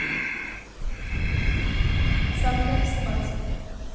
завтра спать